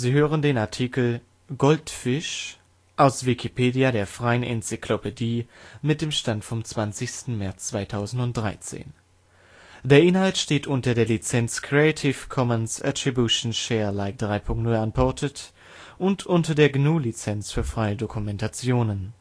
hören den Artikel Goldfisch, aus Wikipedia, der freien Enzyklopädie. Mit dem Stand vom Der Inhalt steht unter der Lizenz Creative Commons Attribution Share Alike 3 Punkt 0 Unported und unter der GNU Lizenz für freie Dokumentation